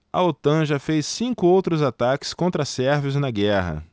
a otan já fez cinco outros ataques contra sérvios na guerra